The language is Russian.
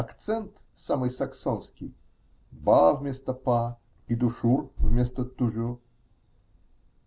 Акцент -- самый саксонский -- "ба" вместо "па" и "душур" вместо "тужур".